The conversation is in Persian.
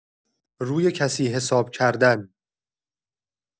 روی کسی حساب کردن